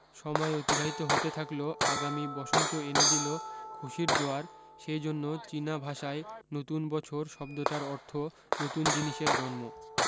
সময় অতিবাহিত হতে থাকলো আগামী বসন্ত এনে দিল খুসির জোয়ার সেই জন্য চীনা ভাষায় নতুন বছর শব্দটার অর্থ নতুন জিনিসের জন্ম